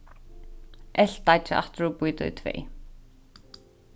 elt deiggið aftur og být tað í tvey